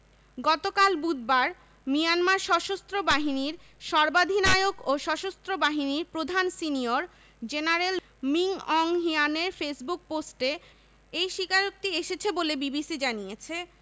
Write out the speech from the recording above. গতকাল বুধবার মিয়ানমার সশস্ত্র বাহিনীর সর্বাধিনায়ক ও সশস্ত্র বাহিনীর প্রধান সিনিয়র জেনারেল মিন অং হ্লিয়াংয়ের ফেসবুক পোস্টে এই স্বীকারোক্তি এসেছে বলে বিবিসি জানিয়েছে